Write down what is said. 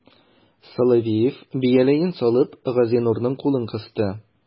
Соловеев, бияләен салып, Газинурның кулын кысты.